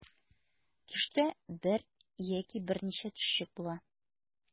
Төштә бер яки берничә төшчек була.